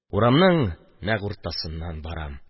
Урамның нәкъ уртасыннан барам